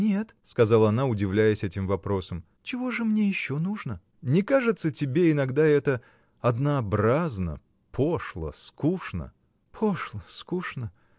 — Нет, — сказала она, удивляясь этим вопросам, — чего же мне еще нужно? — Не кажется тебе иногда это. однообразно, пошло, скучно? — Пошло, скучно!